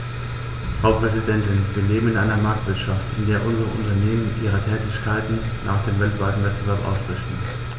Frau Präsidentin, wir leben in einer Marktwirtschaft, in der unsere Unternehmen ihre Tätigkeiten nach dem weltweiten Wettbewerb ausrichten.